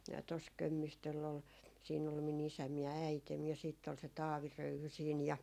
tuossa Kömmistöllä oli siinä oli minun isäni ja äitini ja sitten oli se Taavi Röyhy siinä ja